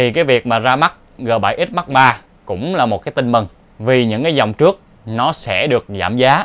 thì việc ra mắt g x mark iii cũng là một tin mừng vì những dòng trước sẽ được giảm giá